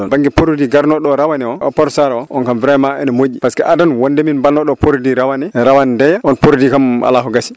banggue produit garnoɗo rawade o aprostar o o kam vraiment ene moƴƴi par ce que adana wonde min banno ɗo produit rawane rawane ndeya on produit kam ala ko gassi